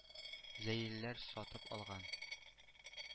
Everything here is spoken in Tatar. – зәйлеләр сатып алган.